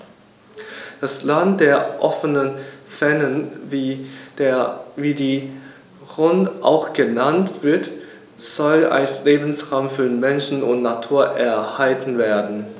Das „Land der offenen Fernen“, wie die Rhön auch genannt wird, soll als Lebensraum für Mensch und Natur erhalten werden.